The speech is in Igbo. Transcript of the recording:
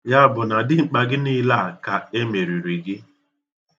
Ya bụ na dimkpa gị niile a ka e meriri gi.